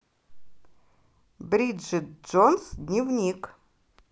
бриджит джонс дневник